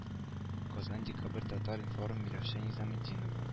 Казан декабрь татар-информ миләүшә низаметдинова